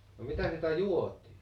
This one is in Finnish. no mitä sitä juotiin